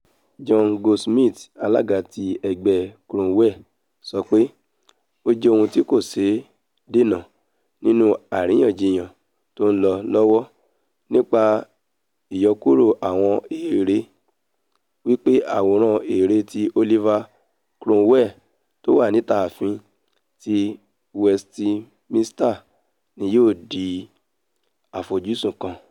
John Goldsmith, alága ti Ẹgbẹ́ Cromwell, sọ pé: “Ó jẹ́ ohun tí kò ṣée dènà nínú àríyànjiyàn tó ńlọ lọ́wọ́ nípa ìyọkúrò àwọn èère wí pé àwòrán èèrè ti Oliver Cromwell tówà níta Ààfin ti Westminster ni yóò di àfojúsùn kan.